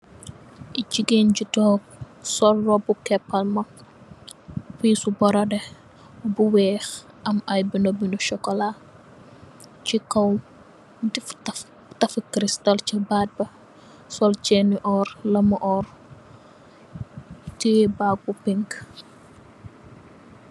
Gigain ju tog sol robu kepal ma peace su borodeh bu weih am i binda binda sokola sey kaw deff taff taffu crystal chi batt bi sol chaini orr lami orr teyeh bag bu pink.